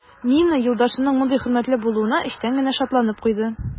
Нина юлдашының мондый хөрмәтле булуына эчтән генә шатланып куйды.